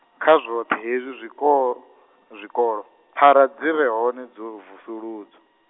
kha zwoṱhe hezwi zwiko-, zwikolo, phera dzi re hone dzo vusuludzwa.